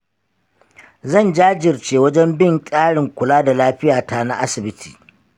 zan jajirce wajan bin tsarin kula da lafiyata na asibiti.